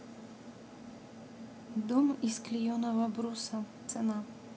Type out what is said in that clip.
дом из клееного бруса цена